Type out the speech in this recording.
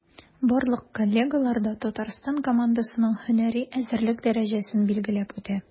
Барлык коллегалар да Татарстан командасының һөнәри әзерлек дәрәҗәсен билгеләп үтә.